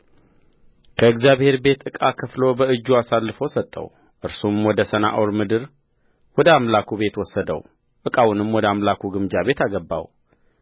ከእግዚአብሔርም ቤት ዕቃ ከፍሎ በእጁ አሳልፎ ሰጠው እርሱም ወደ ሰናዖር ምድር ወደ አምላኩ ቤት ወሰደው ዕቃውንም ወደ አምላኩ ግምጃ ቤት አገባው